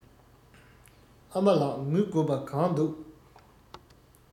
ཨ མ ལགས ངུ དགོས པ གང འདུག